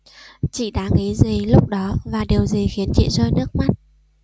chị đã nghĩ gì lúc đó và điều gì khiến chị rơi nước mắt